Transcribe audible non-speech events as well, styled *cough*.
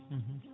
*hesitation* *hesitation*